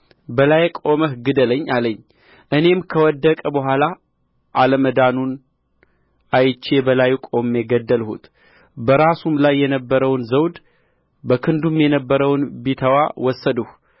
በላዬ ቆመህ ግደለኝ አለኝ እኔም ከወደቀ በኋላ አለ መዳኑን አይቼ በላዩ ቆሜ ገደልሁት በራሱም ላይ የነበረውን ዘውድ በክንዱም የነበረውን ቢተዋ ወሰድሁ